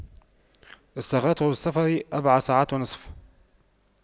استغرقت في السفر أربع ساعات ونصف